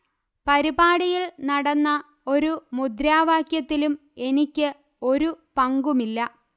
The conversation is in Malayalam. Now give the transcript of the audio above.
പരിപാടിയിൽ നടന്ന ഒരു മുദ്രാവാക്യത്തിലും എനിക്ക് ഒരു പങ്കുമില്ല